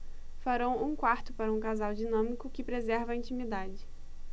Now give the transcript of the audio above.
farão um quarto para um casal dinâmico que preserva a intimidade